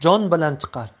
jon bilan chiqar